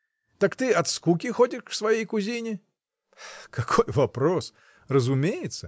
Так ты от скуки ходишь к своей кузине? — Какой вопрос: разумеется!